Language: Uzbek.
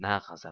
na g'azab